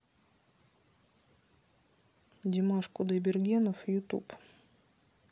димаш кудайбергенов ютуб